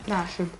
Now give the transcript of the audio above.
Na allwn.